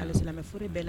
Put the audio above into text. A silamɛmɛoro la